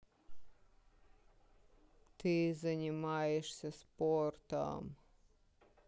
ты занимаешься спортом